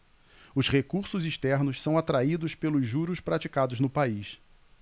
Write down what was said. os recursos externos são atraídos pelos juros praticados no país